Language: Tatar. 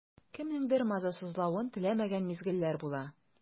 Кемнеңдер мазасызлавын теләмәгән мизгелләр була.